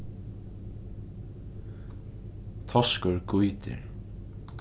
toskur gýtir